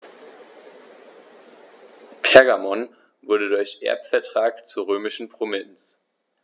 Pergamon wurde durch Erbvertrag zur römischen Provinz.